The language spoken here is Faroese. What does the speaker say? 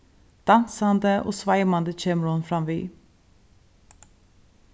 dansandi og sveimandi kemur hon framvið